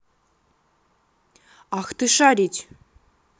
ах ты шарить